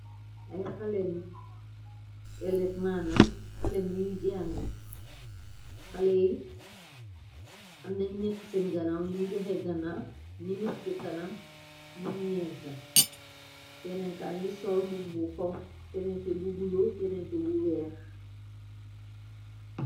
ay xaleemi elef maanam xalem yuy jangu xale yi amna ñi nekk seen ganaw ñu ngi joxe ganaaw ñi nekk ci kanam ñum ñeent la kenenka ngi solmbu bu xong kenenki bu bulo kenenki bu weex